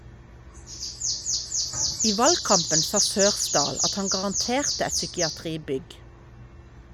I valgkampen sa Sørsdahl at han garanterte et psykiatribygg.